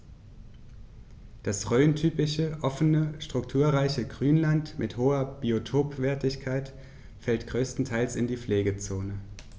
Das rhöntypische offene, strukturreiche Grünland mit hoher Biotopwertigkeit fällt größtenteils in die Pflegezone.